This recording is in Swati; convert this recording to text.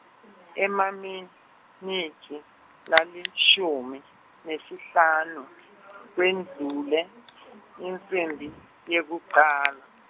Emaminitsi, lalishumi, nesihlanu , kwendlule, insimbi, yekucala.